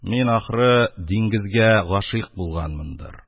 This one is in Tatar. Мин, ахры, диңгезгә гашыйк булганмындыр.